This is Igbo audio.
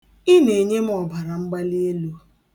Ị na-enye m ọbaramgbalielu.